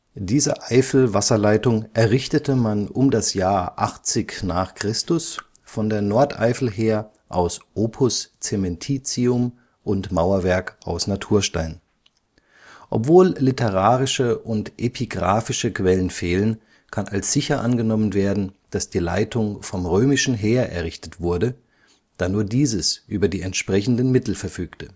Diese Eifelwasserleitung errichtete man um das Jahr 80 n. Chr. von der Nordeifel her aus Opus caementitium und Mauerwerk aus Naturstein. Obwohl literarische und epigraphische Quellen fehlen, kann als sicher angenommen werden, dass die Leitung vom römischen Heer errichtet wurde, da nur dieses über die entsprechenden Mittel verfügte